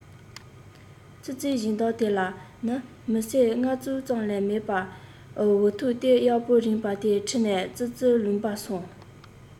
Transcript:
ཙི ཙིའི སྦྱིན བདག དེ ལ ནི མི སེར ལྔ བཅུ ཙམ ལས མེད པས འུ ཐུག སྟེ གཡོག པོ རྙིང པ དེ ཁྲིད ནས ཙི ཙིའི ལུང པར སོང